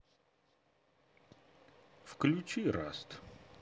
включи раст